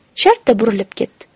shartta burilib ketdi